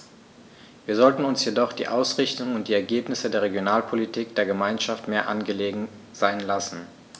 Wir sollten uns jedoch die Ausrichtung und die Ergebnisse der Regionalpolitik der Gemeinschaft mehr angelegen sein lassen.